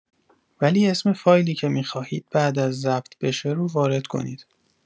ولی اسم فایلی که می‌خواهید بعد از ضبط بشه رو وارد کنید.